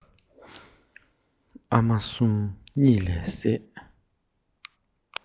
ཨ མ གསུམ གཉིད ལས སད